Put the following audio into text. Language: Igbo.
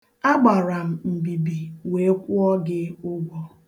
Agbara m mbibi wee kwụọ gị ụgwọ.